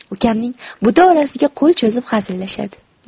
ukamning buti orasiga qo'l cho'zib hazillashadi